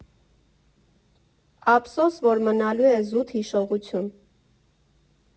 Ափսոս, որ մնալու է զուտ հիշողություն։